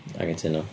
Anghytuno.